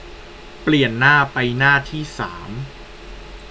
เปลี่ยนหน้าไปหน้าที่สาม